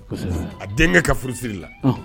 A denkɛ ka furusiri la